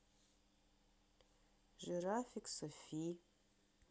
жирафик софи